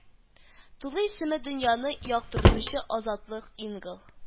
Тулы исеме дөньяны яктыртучы азатлык, ингл